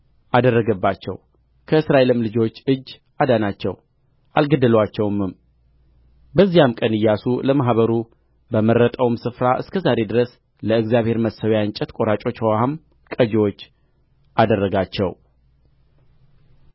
አደረገባቸው ከእስራኤልም ልጆች እጅ አዳናቸው አልገደሉአቸውምም በዚያም ቀን ኢያሱ ለማኅበሩ በመረጠውም ስፍራ እስከ ዛሬ ድረስ ለእግዚአብሔር መሠዊያ እንጨት ቈራጮች ውኃም ቀጂዎች አደረጋቸው